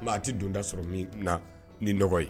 A tɛ donda sɔrɔ min na ni dɔgɔ ye